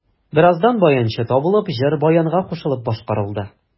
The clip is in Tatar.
Бераздан баянчы табылып, җыр баянга кушылып башкарылды.